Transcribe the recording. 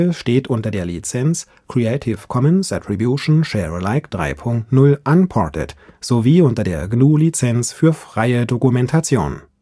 steht unter der Lizenz Creative Commons Attribution Share Alike 3 Punkt 0 Unported und unter der GNU Lizenz für freie Dokumentation